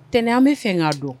Tɛnɛn an bɛ fɛ ka don